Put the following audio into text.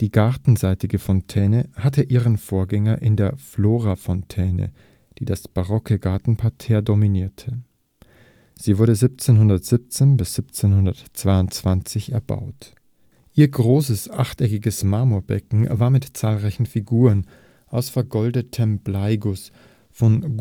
Die gartenseitige Fontäne hatte ihren Vorgänger in der Flora-Fontäne, die das barocke Gartenparterre dominierte. Sie wurde 1717 – 22 erbaut. Ihr großes, achteckiges Marmorbecken war mit zahlreichen Figuren aus vergoldetem Bleiguss von